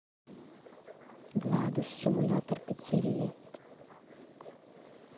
владус симулятор пиццерии